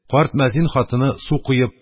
Карт мөәззин хатыны, су коеп,